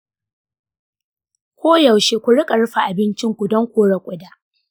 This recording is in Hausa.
koyaushe ku riƙa rufe abincinku don kore ƙuda.